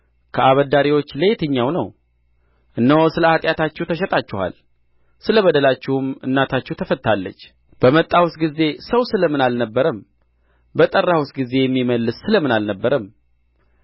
ከአበዳሪዎች ለየትኛው ነው እነሆ ስለ ኃጢአታችሁ ተሽጣችኋል ስለ በደላችሁም እናታችሁ ተፈትታለች በመጣሁስ ጊዜ ሰው ስለ ምን አልነበረም በጠራሁስ ጊዜ የሚመልስ ስለ ምን አልነበረም